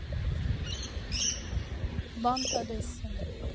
банд одесса